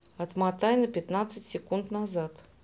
отмотай на пятнадцать секунд назад